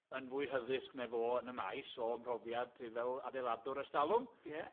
yn fwy hyddysg na fo yn y maes o mhrofiad i fel adeiladwr ers dalwm. Ie.